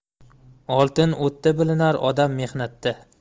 oltin o'tda bilinar odam mehnatda